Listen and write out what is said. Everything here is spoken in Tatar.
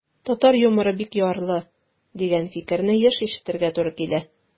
Татар юморы бик ярлы, дигән фикерне еш ишетергә туры килә.